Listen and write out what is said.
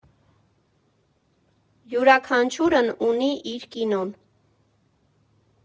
Յուրաքանչյուրն ունի իր կինոն։